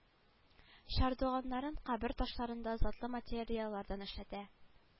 Чардуганнарын кабер ташларын да затлы материаллардан эшләтә